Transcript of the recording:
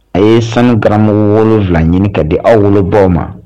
A ye sanukarama wolo wolonwula ɲininka ka di aw wolobaw ma